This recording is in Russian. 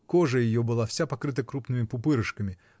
кожа ее была вся покрыта крупными пупырушками